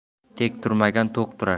tek turmagan to'q turar